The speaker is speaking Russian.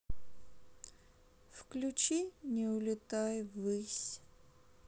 включи не улетай ввысь